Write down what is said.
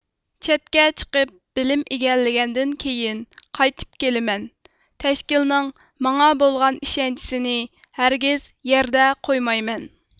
چەتكە چىقىپ بىلىم ئىگىلىگەندىن كېيىن قايتىپ كېلىمەن تەشكىلنىڭ ماڭا بولغان ئىشەنچىنى ھەرگىز يەردە قويمايمەن